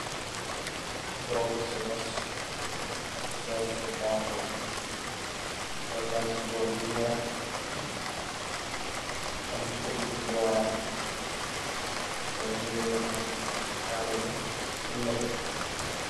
Boli sos, sos bu khonkho sos ba go si boll bu wheh am kudu si boram sos bi mugi amm kaneh bu nehteh.